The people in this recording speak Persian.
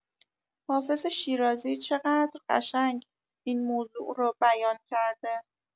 حافظ شیرازی چقدر قشنگ این موضوع رو بیان کرده.